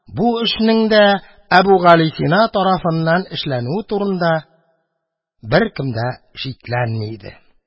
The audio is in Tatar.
Бу эшнең дә Әбүгалисина тарафыннан эшләнүе турында беркем дә шикләнми иде.